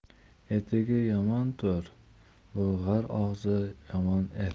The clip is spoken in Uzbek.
etigi yomon to'r bulg'ar og'zi yomon el